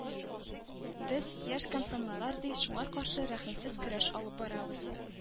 Без, яшь комсомоллар, ди, шуңар каршы рәхимсез көрәш алып барабыз.